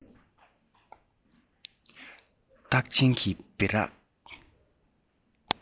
རྟགས ཅན གྱི སྦི རག